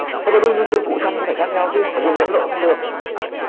thế các công cụ săn phải khác nhau chứ dùng lẫn lộn không được